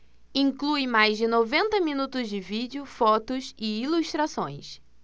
inclui mais de noventa minutos de vídeo fotos e ilustrações